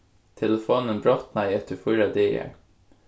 telefonin brotnaði eftir fýra dagar